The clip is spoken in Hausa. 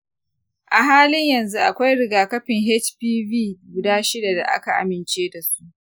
a halin yanzu, akwai rigakafin hpv guda shida da aka amince da su.